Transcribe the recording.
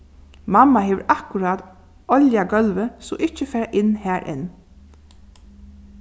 mamma hevur akkurát oljað gólvið so ikki fara inn har enn